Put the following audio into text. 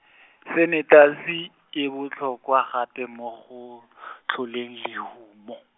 sanetasi, e botlhokwa gape mo go , tlholeng lehumo.